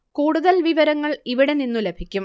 കൂടുതൽ വിവരങ്ങൾ ഇവിടെ നിന്നു ലഭിക്കും